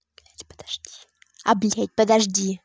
а блядь подожди